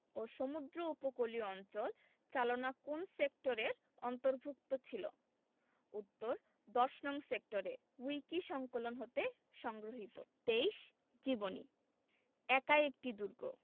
ও সমুদ্র উপকূলীয় অঞ্চল চালনা কোন সেক্টরের অন্তভুর্ক্ত ছিল উত্তরঃ ১০নং সেক্টরে উইকিসংকলন হতে সংগৃহীত ২৩ জীবনী একাই একটি দুর্গ